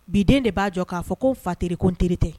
Biden de b'a jɔ k'a fɔ ko fatiri ko t tɛ